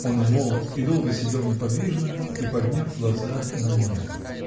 Он умолк и долго сидел неподвижно и подняв глаза на небо.